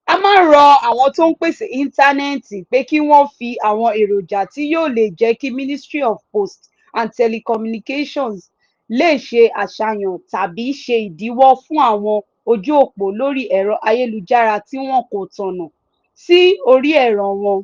A máa rọ àwọn tó ń pèsè Íntánẹ́ẹ̀tì pé kí wọ́n fi àwọn eròjà tí yóò lè jẹ́ kí Ministry of Posts and Telecommunications lè “ṣe àṣàyàn tàbí ṣe ìdíwọ́ fún àwọn ojú òpó lórí ẹ̀rọ ayélujàra tí wọn kò tọ̀nà” sí orí ẹ̀rọ wọn.